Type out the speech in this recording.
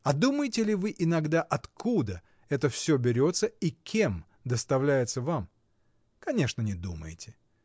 А думаете ли вы иногда, откуда это всё берется и кем доставляется вам? Конечно, не думаете.